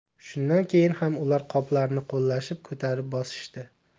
shundan keyin ham ular qoplarni qo'llashib ko'tarib bosishdi